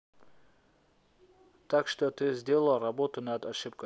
так что ты сделала работу над ошибкой